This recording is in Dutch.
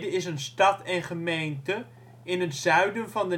is een stad en gemeente in het zuiden van